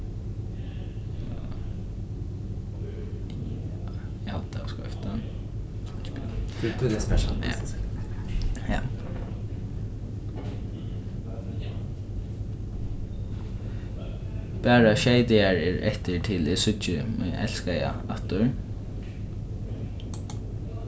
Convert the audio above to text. bara sjey dagar eftir til eg síggi mín elskaða aftur